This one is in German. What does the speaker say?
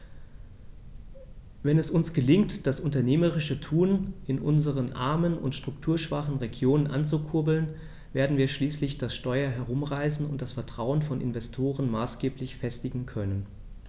Wenn es uns gelingt, das unternehmerische Tun in unseren armen und strukturschwachen Regionen anzukurbeln, werden wir schließlich das Steuer herumreißen und das Vertrauen von Investoren maßgeblich festigen können.